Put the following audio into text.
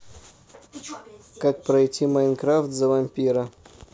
как пройти майнкрафт за вампира